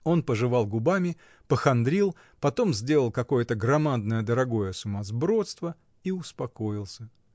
Он пожевал губами, похандрил, потом сделал какое-то громадное, дорогое сумасбродство и успокоился.